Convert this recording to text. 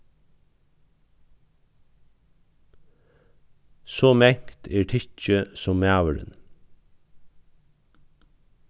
so mangt er tykki sum maðurin